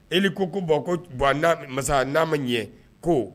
Eli ko ko bon ko Buwa , masa n'a ma ɲɛ ko